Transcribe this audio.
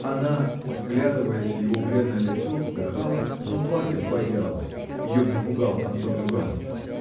Она, вглядываясь в его бледное лицо, вздыхала, но плакать боялась ее напугал Антон Иваныч.